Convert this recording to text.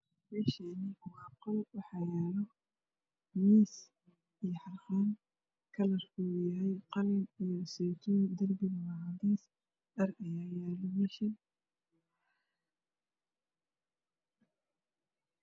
Meshani waa qol waxa yaalo mis iyo xarqaan kalarka uyahay qalin iyo seytuun derbigana wacades dhar ayaa yalo mesha